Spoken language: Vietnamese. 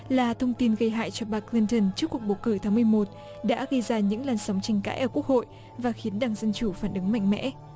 là thông tin gây hại cho bà cơ lin tơn trước cuộc bầu cử tháng mười một đã gây ra những làn sóng tranh cãi ở quốc hội và khiến đảng dân chủ phản ứng mạnh mẽ